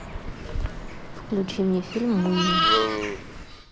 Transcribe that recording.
включи мне фильм мумия